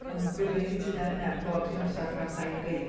Ond fedrwn ni gytuno ar hynna, bod hi'n amser cael llai o geir.